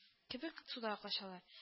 Кебек суда качалар